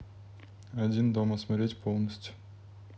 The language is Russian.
один дома смотреть полностью